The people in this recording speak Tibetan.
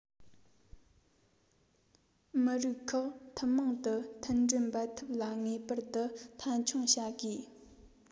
མི རིགས ཁག ཐུན མོང དུ མཐུན སྒྲིལ འབད འཐབ ལ ངེས པར དུ མཐའ འཁྱོངས བྱ དགོས